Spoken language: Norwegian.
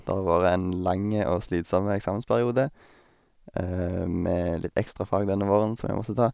Det har vore en lang og slitsom eksamensperiode, med litt ekstrafag denne våren som jeg måtte ta.